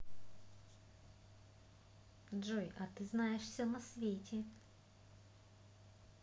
джой а ты знаешь все на свете